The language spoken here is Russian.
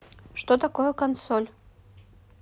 что такое консоль